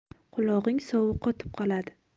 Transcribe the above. qulog'ing sovuq qotib qoladi